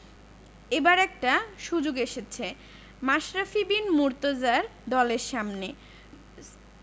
এবার একটা সুযোগ এসেছে মাশরাফি বিন মুর্তজার দলের সামনে